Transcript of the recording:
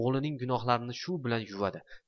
o'g'lining gunohlarini shu bilan yuvadi